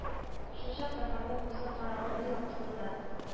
Шулчак дафарның күзе караңгылы-яктылыда